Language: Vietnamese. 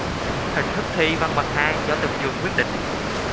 hình thức thi văn bằng hai do từng trường quyết định